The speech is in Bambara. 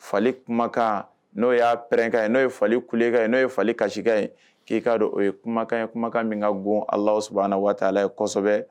Fali kumakan no ya pɛrɛnkan ye . No ye fali kuleka ye. No ye fali kasisika ye . Ki ka dɔn o ye kumakan ye, kumakan min ka gon Alahu subahana watala ye kɔsɛbɛ.